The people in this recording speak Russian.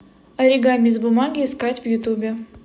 оригами из бумаги искать в ютубе